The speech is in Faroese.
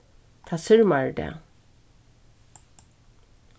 tað sirmar í dag